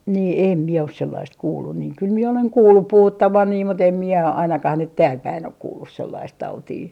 niin en minä ole sellaista kuullut niin kyllä minä olen kuullut puhuttavan niin mutta en minä ainakaan nyt täälläpäin ole kuullut sellaista tautia